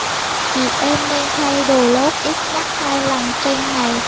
chị em nên thay đồ lót ít nhất hai lần trên ngày